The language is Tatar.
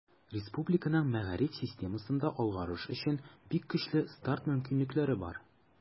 Республиканың мәгариф системасында алгарыш өчен бик көчле старт мөмкинлекләре бар.